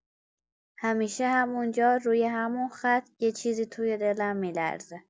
همیشه همون‌جا، روی همون خط، یه چیزی توی دلم می‌لرزه.